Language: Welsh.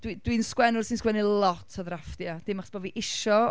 Dwi- dwi'n sgwennwr sy'n sgwennu lot o ddrafftiau. Dim achos bod fi isio...